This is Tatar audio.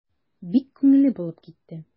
Бик күңелле булып китте.